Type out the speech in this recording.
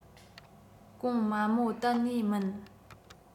གོང དམའ མོ གཏན ནས མིན